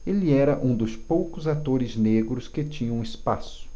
ele era um dos poucos atores negros que tinham espaço